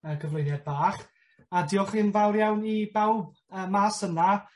...y gyflwyniad bach. A diolch i'n fawr iawn i bawb yy mas yna...